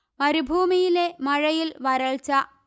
മരുഭൂമിയിലെ മഴയിൽ വരൾച്ച